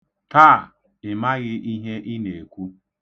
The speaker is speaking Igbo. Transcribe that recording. Taa! Ị maghị ihe ị na-ekwu!